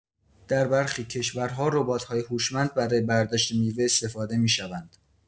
در برخی کشورها ربات‌های هوشمند برای برداشت میوه استفاده می‌شوند.